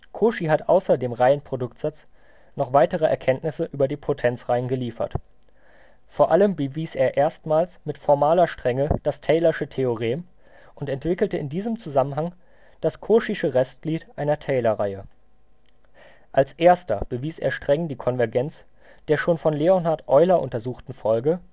Cauchy hat außer dem Reihenproduktsatz noch weitere Erkenntnisse über die Potenzreihen geliefert. Vor allem bewies er erstmals mit formaler Strenge das taylorsche Theorem und entwickelte in diesem Zusammenhang das Cauchysche Restglied einer Taylorreihe. Als erster bewies er streng die Konvergenz der schon von Leonhard Euler untersuchten Folge